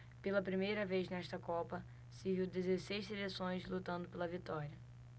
pela primeira vez nesta copa se viu dezesseis seleções lutando pela vitória